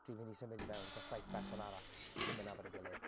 Dwi'n mynd i symud i mewn 'da saith berson arall sydd ddim yn nabod ei gilydd.